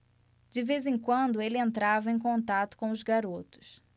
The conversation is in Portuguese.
de vez em quando ele entrava em contato com os garotos